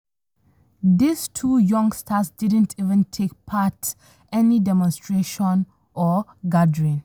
“These two youngsters didn't even take part any demonstration or gathering.